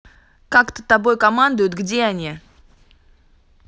както тобой командует где они